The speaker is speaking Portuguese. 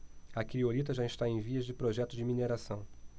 a criolita já está em vias de projeto de mineração